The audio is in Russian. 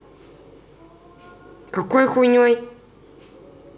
какой хуйней